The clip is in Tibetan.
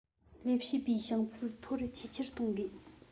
ལས བྱེད པའི བྱང ཚད མཐོ རུ ཆེས ཆེར གཏོང དགོས